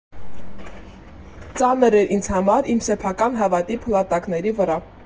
Ծանր էր ինձ համար իմ սեփական հավատի փլատակների վրա։